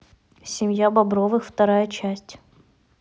семья бобровых вторая часть